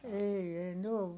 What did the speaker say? ei ei ne on